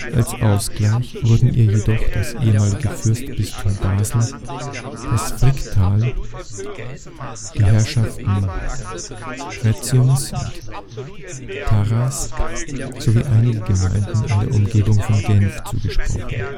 Als Ausgleich wurden ihr jedoch das ehemalige Fürstbistum Basel, das Fricktal, die Herrschaften Rhäzüns und Tarasp sowie einige Gemeinden in der Umgebung von Genf zugesprochen